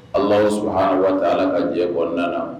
Alaaw sɔnna waati ka jɛbon nana